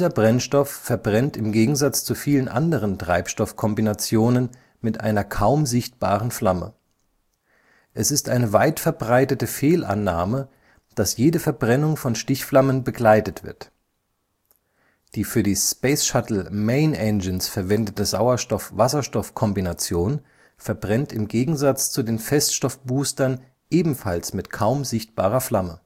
Brennstoff verbrennt im Gegensatz zu vielen anderen Treibstoffkombinationen mit einer kaum sichtbaren Flamme. Es ist eine weitverbreitete Fehlannahme, dass jede Verbrennung von Stichflammen begleitet wird. Die für die Space Shuttle Main Engines verwendete Sauerstoff-Wasserstoff-Kombination verbrennt im Gegensatz zu den Feststoffboostern ebenfalls mit kaum sichtbarer Flamme